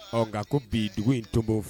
Ɔ nka ko bi dugu in tobo